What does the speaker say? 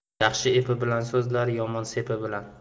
yaxshi epi bilan so'zlar yomon sepi bilan